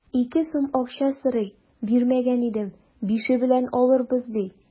Ике сум акча сорый, бирмәгән идем, бише белән алырбыз, ди.